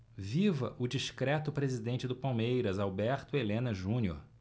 viva o discreto presidente do palmeiras alberto helena junior